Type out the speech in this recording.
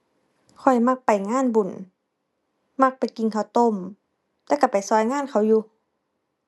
ข้อยมักไปงานบุญ มักไปกินข้าวต้ม แต่ก็ไปก็งานเขาอยู่